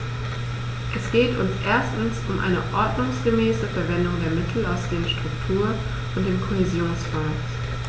Es geht uns erstens um eine ordnungsgemäße Verwendung der Mittel aus den Struktur- und dem Kohäsionsfonds.